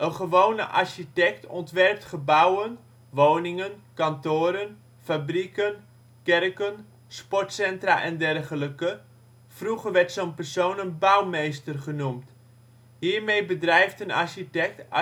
gewone ' architect ontwerpt gebouwen (woningen, kantoren, fabrieken, kerken, sportcentra en dergelijke). Vroeger werd zo 'n persoon een bouwmeester genoemd. Hiermee bedrijft een architect architectuur